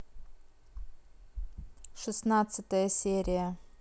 шестнадцатая серия